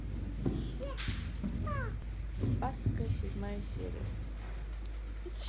спасская седьмая серия